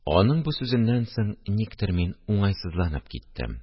Аның бу сүзеннән соң никтер мин уңайсызланып киттем